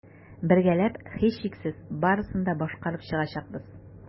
Бергәләп, һичшиксез, барысын да башкарып чыгачакбыз.